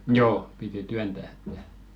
joo piti työntää että